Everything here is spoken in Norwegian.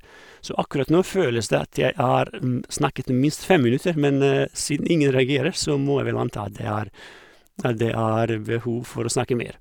Så akkurat nå føles det at jeg har snakket i minst fem minutter, men siden ingen reagerer, så må jeg vel anta at det er at det er behov for å snakke mer.